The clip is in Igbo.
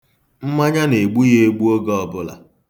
Mmanya na-egbu ya egbu oge ọbụla.